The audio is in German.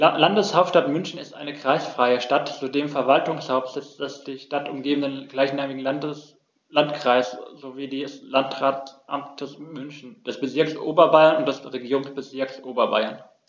Die Landeshauptstadt München ist eine kreisfreie Stadt, zudem Verwaltungssitz des die Stadt umgebenden gleichnamigen Landkreises sowie des Landratsamtes München, des Bezirks Oberbayern und des Regierungsbezirks Oberbayern.